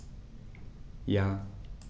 Ja.